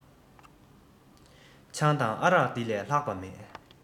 ཆང དང ཨ རག འདི ལས ལྷག པ མེད